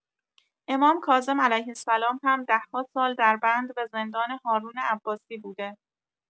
امام کاظم (ع) هم ده‌ها سال دربند و زندان هارون عباسی بوده